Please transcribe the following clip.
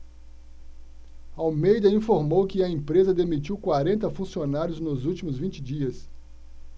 almeida informou que a empresa demitiu quarenta funcionários nos últimos vinte dias